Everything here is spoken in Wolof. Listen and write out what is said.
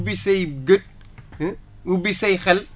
ubbi say gët ubbi say xel